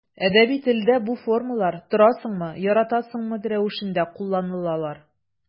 Әдәби телдә бу формалар торасыңмы, яратасыңмы рәвешендә кулланылалар.